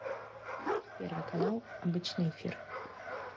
первый канал обычный эфир